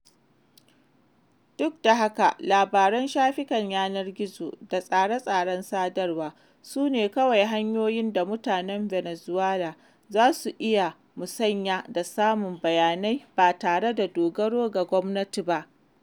Duk da haka labaran shafukan yanar gizo da tsare-tsaren sadarwa su ne kawai hanyoyin da mutanen Venezuela za su iya musaya da samun bayanai ba tare da dogara ga gwamnati ba.